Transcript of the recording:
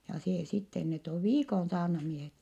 ja se sitten ne on viikon saarnamiehet